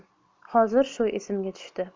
hozir shu esimga tushdi